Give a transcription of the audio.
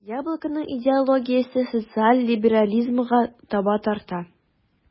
"яблоко"ның идеологиясе социаль либерализмга таба тарта.